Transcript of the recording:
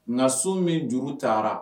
Nka so min juru taara